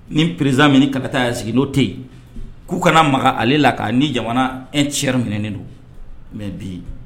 Ni perezsanmini ka taa' sigi n'o tɛ yen k'u kana ma ale la' ni jamana e cɛ minɛen don mɛ bi